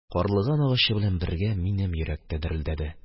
Карлыган агачы белән бергә минем йөрәк тә дерелдәде.